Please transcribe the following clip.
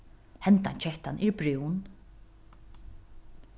hendan kettan er brún